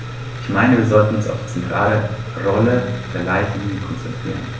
Ich meine, wir sollten uns auf die zentrale Rolle der Leitlinien konzentrieren.